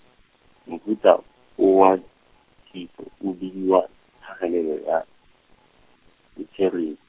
mofuta o wa kitso o bidiwa tlhagelelo ya lithere-.